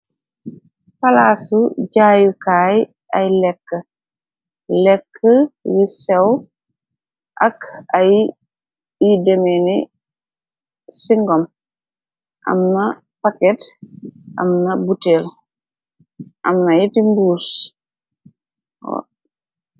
palaasu jaayukaay ay lekk lekk yi sew ak ay e demeni singom amna paket amna butel amna iti mbuurs.